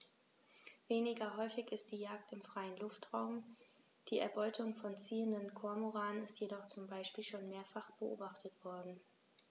Weniger häufig ist die Jagd im freien Luftraum; die Erbeutung von ziehenden Kormoranen ist jedoch zum Beispiel schon mehrfach beobachtet worden.